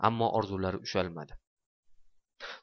ammo orzulari ushalmadi